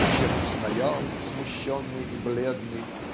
А Чехов стоял смущенный и бледный